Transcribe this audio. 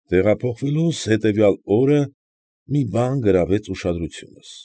Տեղափոխվելուս հետևյալ օրը մի բան գրավեց ուշադրությունս։